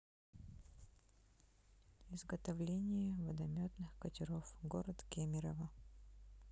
изготовление водометных катеров город кемерово